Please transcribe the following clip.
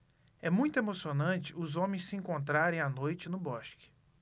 é muito emocionante os homens se encontrarem à noite no bosque